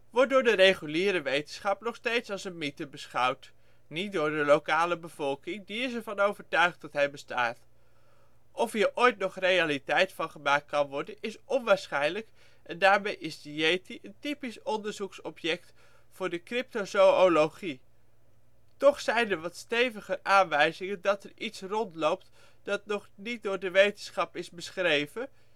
wordt door de reguliere wetenschap nog steeds als een mythe beschouwd (niet door de lokale bevolking, die is er van overtuigd dat hij bestaat). Of hier ooit nog realiteit van gemaakt kan worden is onwaarschijnlijk en daarmee is de Yeti een typisch onderzoeksobject voor de cryptozoölogie. Toch zijn er wat steviger aanwijzingen dat er iets rondloopt dat nog niet door de wetenschap is beschreven